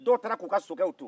dɔw taara k'u ka sokɛw to